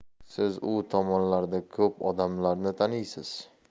siz u tomonlarda ko'p odamlarni taniysiz